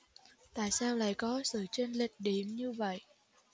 tại sao lại có sự chênh lệch điểm như vậy